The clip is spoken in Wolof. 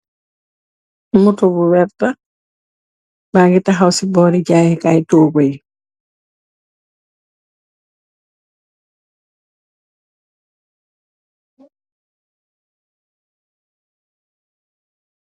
Moto bu verta, mangi tahaww c bori jayeh kayi togu yi